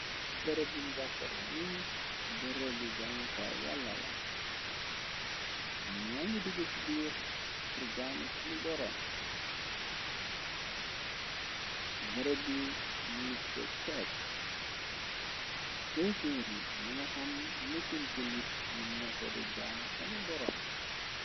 Bërëbbu njàkore ni bërëb bi jaamukaay yàlala unu ñaa ñi duga ci diir tr jaamu sani boroom bërëb bi mimit da chorch xeefeer yi nanga xam nëkkun culit mën nofede jaamu sani boroom.